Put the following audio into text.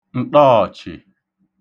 ǹṭọọ̀chị̀